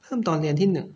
เพิ่มตอนเรียนที่หนึ่ง